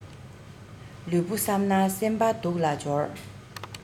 ལུས པོ བསམས ན སེམས པ སྡུག ལ སྦྱོར